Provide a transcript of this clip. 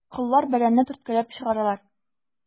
Коллар бәрәнне төрткәләп чыгаралар.